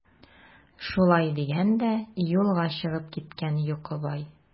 Шулай дигән дә юлга чыгып киткән Йокыбай.